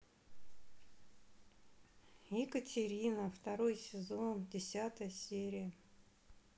екатерина второй сезон десятая серия